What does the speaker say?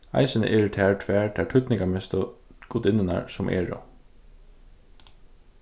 eisini eru tær tvær tær týdningarmestu gudinnurnar sum eru